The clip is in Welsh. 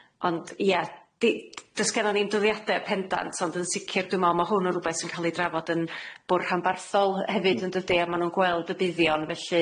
Ond ia, di- do's gennon ni'm dyddiade pendant ond yn sicir dwi me'wl ma' hwn yn rwbeth yn ca'l ei drafod yn Bwr' Rhanbarthol hefyd yn dydi, a ma' nw'n gweld y buddion. Felly